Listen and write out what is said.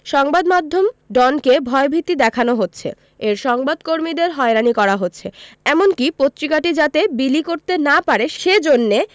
সংবাদ মাধ্যম ডনকে ভয়ভীতি দেখানো হচ্ছে এর সংবাদ কর্মীদের হয়রানি করা হচ্ছে এমনকি পত্রিকাটি যাতে বিলি করতে না পারে সেজন্যে